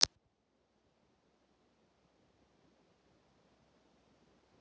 катя бобкова